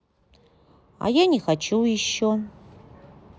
а я не хочу еще